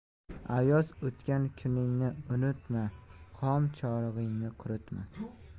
ayoz o'tgan kuningni unutma xom chorig'ingni quritma